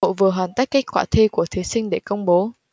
bộ vừa hoàn tất kết quả thi của thí sinh để công bố